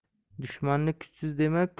dushmanni kuchsiz dema